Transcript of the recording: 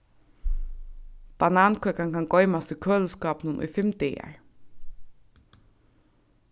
banankøkan kann goymast í køliskápinum í fimm dagar